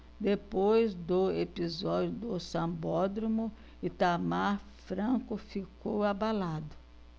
depois do episódio do sambódromo itamar franco ficou abalado